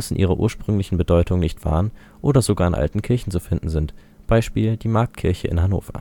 ihrer ursprünglichen Bedeutung nicht waren und sogar an alten Kirchen zu finden sind (Beispiel: die Marktkirche Hannover